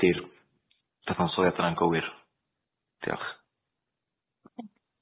Ydi'r ddathansoliad yna'n gywir? Diolch